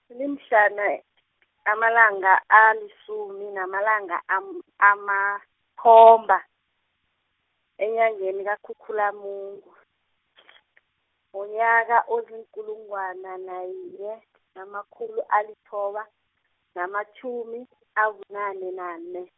limhlana , amalanga alisumi namalanga am- amakhomba, enyangeni kaKhukhulamungu , ngonyaka ozinkulungwana nayinye , namakhulu alithoba, namatjhumi , abunane nane.